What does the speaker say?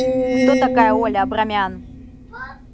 кто такая оля абрамян